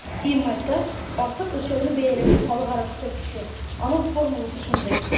ИМТ - артык үлчәүне бәяләүнең халыкара күрсәткече, аның формуласы шундый: